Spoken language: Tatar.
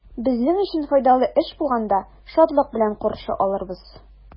Безнең өчен файдалы эш булганда, шатлык белән каршы алырбыз.